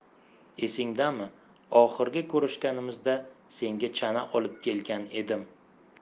esingdami oxirgi ko'rishganimizda senga chana olib kelgan edim